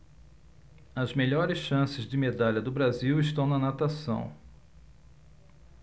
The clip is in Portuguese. as melhores chances de medalha do brasil estão na natação